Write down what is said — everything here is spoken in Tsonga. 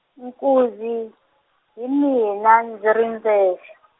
nkuzi, hi mina ndzi ri ndzexe.